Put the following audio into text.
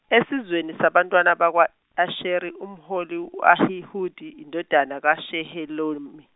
esizweni sabantwana bakwa Asheri umholi u Ahihudi indodana kaShehelomi-.